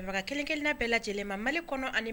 Dɛmɛbaga kelen-kelenna bɛɛ lajɛlen Mali kɔnɔ